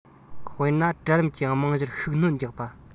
དཔེར ན གྲལ རིམ གྱི རྨང གཞིར ཤུགས སྣོན རྒྱག པ